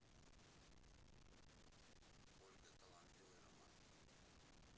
ольга талантливый роман